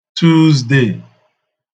Tuuzde